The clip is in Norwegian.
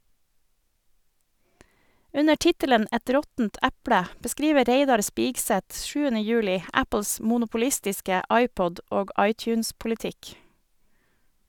Under tittelen "Et råttent eple" beskriver Reidar Spigseth 7. juli Apples monopolistiske iPod- og iTunes-politikk.